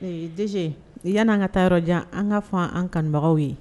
e dg yan'an ka taa yɔrɔjan an ka fɔ an kanubagaw ye